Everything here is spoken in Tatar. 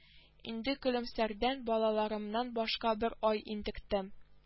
Инде көлемсәрдән балаларымнан башка бер ай интектем